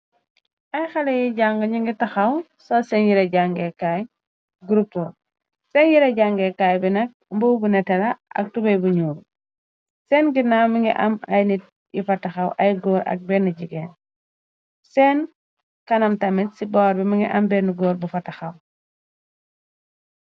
Ay xale yi jànga ñi ngi taxaw sol seen yira jangekaay grutor sen yira jangekaay bi nag mbow bu netté la ak tubey bu ñuu seen ginnaw mi ngi am ay nit yi fataxaw ay góor ak benn jigéen seen kanam tamit ci boor bi mi ngi am benn góor bu fataxaw.